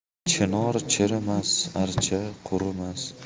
chinor chirimas archa qurimas